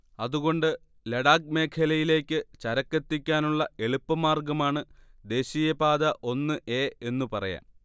അതുകൊണ്ട് ലഡാക് മേഖലയിലേക്ക് ചരക്കെത്തിക്കാനുള്ള എളുപ്പമാർഗ്ഗമാണ് ദേശീയ പാത ഒന്ന് എ എന്നു പറയാം